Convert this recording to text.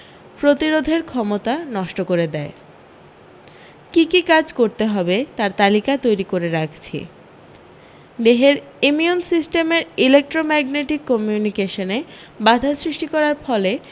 প্রতিরোধের ক্ষমতা নষ্ট করে দেয় কী কী কাজ করতে হবে তার তালিকা তৈরী করে রাখছি দেহের ইমিউনসিস্টেমের ইলেকট্রোম্যাগনেটিক কমিউনিকেশনে বাধা সৃষ্টি হওয়ার ফলে